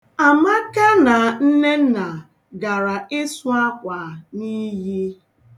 Amaka na Nnenna gara ịsu ̣akwa n'iyi.